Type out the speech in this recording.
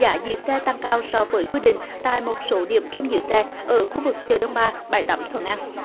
giá giữ xe tăng cao so với quy định tại một số điểm trông giữ xe ở khu vực chợ đông ba bãi tắm thuận an